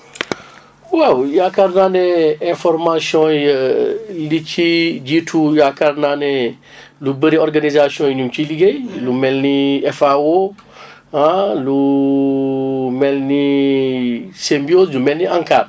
waaw yaakaar naa ne information yi li ci jiitu yaakaar naa ne lu bëri organisation yi ñu ngi ciy liggéey yu mel ni FAO lu mel ni Symbiose lu mel ni ANCAR